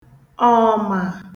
ọ̀mà